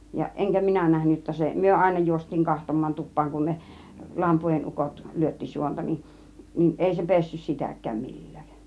ja enkä minä nähnyt jotta se me aina juostiin katsomaan tupaan kun ne lampuodin ukot lyötti suonta niin niin ei se pessyt sitäkään millään